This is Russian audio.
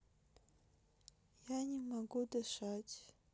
я не могу дышать